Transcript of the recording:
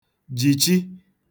jichi